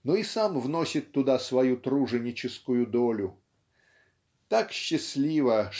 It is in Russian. но и сам вносит туда свою труженическую долю. Так счастливо